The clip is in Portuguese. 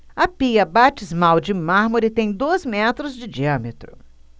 a pia batismal de mármore tem dois metros de diâmetro